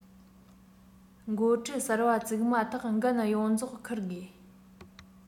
འགོ ཁྲིད གསར པ བཙུགས མ ཐག འགན ཡོངས རྫོགས འཁུར དགོས